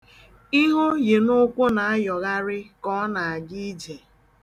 Ihe o yi n'ụkwụ na-ayọgharị ka ọ na-aga ije.